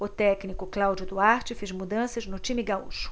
o técnico cláudio duarte fez mudanças no time gaúcho